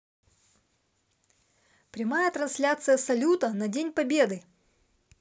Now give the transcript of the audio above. прямая трансляция салюта на день победы